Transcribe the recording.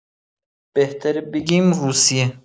بهتر بگیم روسیه